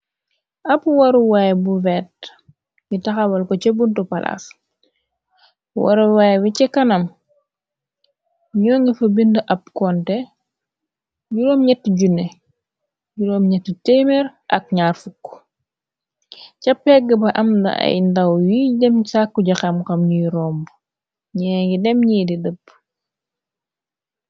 Ab waruwaay bu verte gi taxawal ko ce buntu palaas waruwaay bi ci kanam ñoo ngi fa bindi ab konte 8,820ñ 0u ca pegg ba amna ay ndaw yuy dem sàkku joxem xam ñuy romb ñee ngi dem ñi di dëpp.